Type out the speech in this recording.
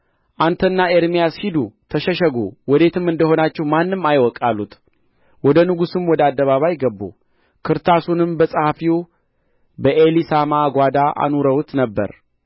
አንተና ኤርምያስ ሂዱ ተሸሸጉ ወዴትም እንደ ሆናችሁ ማንም አይወቅ አሉት ወደ ንጉሡም ወደ አደባባይ ገቡ ክርታሱንም በጸሐፊው በኤሊሳማ ጓዳ አኑረውት ነበር